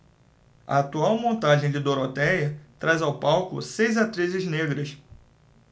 a atual montagem de dorotéia traz ao palco seis atrizes negras